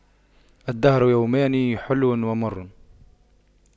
الدهر يومان حلو ومر